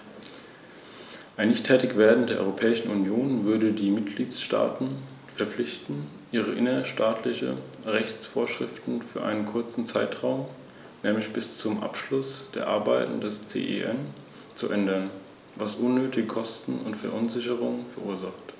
Um unsere Ziele zu erreichen, müssen wir uns aber ebenso dem Thema Energieeffizienz widmen, vor allem in Bezug auf Kraftfahrzeuge - sowohl im Bereich der privaten als auch der gewerblichen Nutzung.